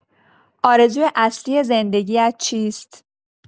آرزوی اصلی زندگی‌ات چیست؟